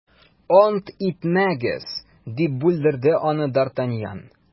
- ант итмәгез, - дип бүлдерде аны д’артаньян.